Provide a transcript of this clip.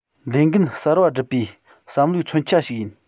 ལས འགན གསར པ འགྲུབ པའི བསམ བློའི མཚོན ཆ ཞིག ཡིན